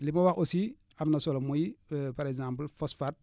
li ma wax aussi am na solo muy par exemple phosphate